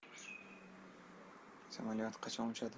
samaliyot qachon uchadi